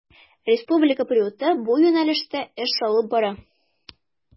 Республика приюты бу юнәлештә эш алып бара.